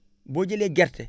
boo jëlee gerte